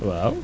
waaw